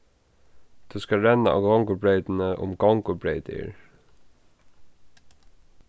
tú skalt renna á gongubreytini um gongubreyt er